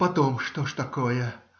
- Потом что ж такое?